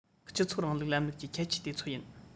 སྤྱི ཚོགས རིང ལུགས ལམ ལུགས ཀྱི ཁྱད ཆོས དེ ཚོ ཡིན